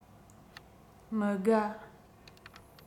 མི དགའ